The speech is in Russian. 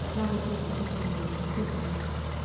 Слава богу, подумал он, теперь близко.